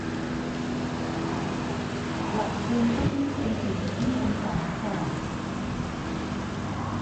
ปรับเอนเก้าอี้เป็นสี่สิบห้าองศาค่ะ